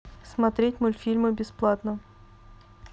смотреть мультфильмы бесплатно